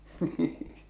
niin